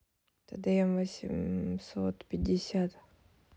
тдм восемьсот пятьдесят